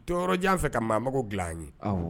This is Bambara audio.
Tɔɔrɔɔrɔjan fɛ ka maa dilan ye